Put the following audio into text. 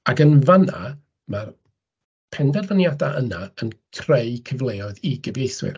Ac yn fan'na mae'r penderfyniadau yna yn creu cyfleoedd i gyfeithwyr.